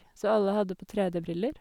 Så alle hadde på 3D-briller.